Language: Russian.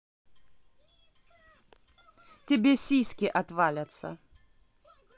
тебе сиськи отвалятся